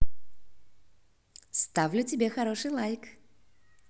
ставлю тебе хороший лайк